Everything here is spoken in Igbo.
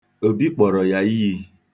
Obi kpọrọ ya iyi.